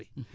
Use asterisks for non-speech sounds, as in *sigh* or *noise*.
*hesitation*